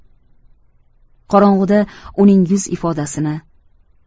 qorong'ida uning yuz ifodasini